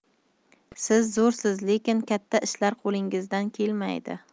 siz zo'rsiz lekin katta ishlar qo'lingizdan kelmaydi